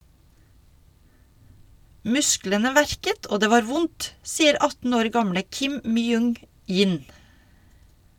Musklene verket og det var vondt, sier 18 år gamle Kim Myung- jin.